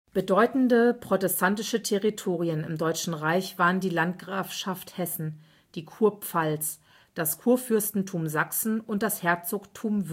Bedeutende protestantische Territorien im Deutschen Reich waren die Landgrafschaft Hessen, die Kurpfalz, das Kurfürstentum Sachsen und das Herzogtum